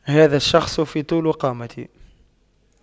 هذا الشخص في طول قامتي